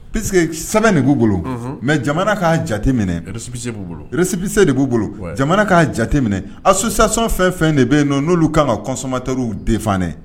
Puis que sɛbɛn de b'u bolo, unhun, mais jamana k'a jate minɛn, récépissé b'u bolo, récéipissé de b'u bolo jamana k'a jate minɛn association fɛn o fɛn de bɛ yen n'olu kan ka consommateurs défend dɛ